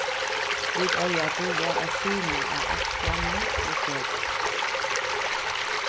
vit eiga at duga at skyna á ætlanum og støðum